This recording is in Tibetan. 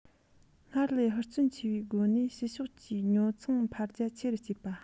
སྔར ལས ཧུར བརྩོན ཆེ བའི སྒོ ནས ཕྱི ཕྱོགས ཀྱི ཉོ འཚོང འཕར རྒྱ ཆེ རུ སྐྱེད པ